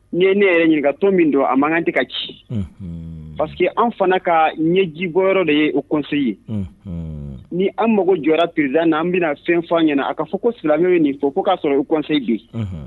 N ye ne yɛrɛ ɲininkaka to min don a man kan tɛ ka ci parceseke que an fana ka ɲɛ jibɔ yɔrɔ de ye u kɔse ye ni an mago jɔra prida n an bɛna fɛnfan ɲɛna a ka fɔ ko silamɛo ye nin fɔ k' y'a sɔrɔ u kɔse jo